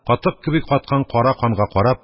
Катык кеби каткан кара канга карап: